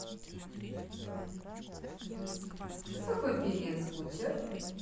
кто такой певец кучер